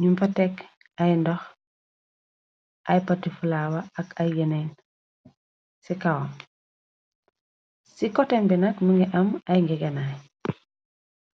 ñum fa tekk ay ndox ay portifulawa ak ay genein ci kawam ci kotem bi nak mëngi am ay ngegenaay.